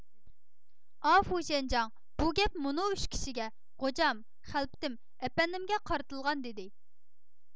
ئا فۇشيەنجاڭ بۇ گەپ مۇنۇ ئۈچ كىشىگە غوجام خەلپىتىم ئەپەندىمگە قارىتىلغان دىدى